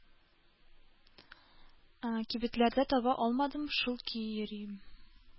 Кибетләрдә таба алмадым, шул көе йөрим.